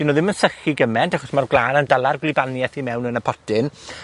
'dyn nw ddim yn sychu gyment, achos ma'r gwlân yn dala'r gwlybaniaeth i mewn yn y potyn,